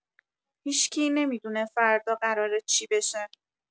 هیشکی نمی‌دونه فردا قراره چی بشه!